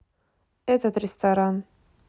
этот ресторан